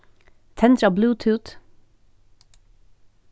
tendra bluetooth